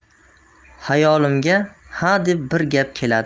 xayolimga hadeb bir gap keladi